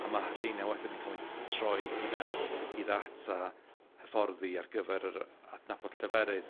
a ma' rheina wedyn yn ca'l 'u troi i mewn i ddata hyfforddi ar gyfer yr a- adnabod lleferydd.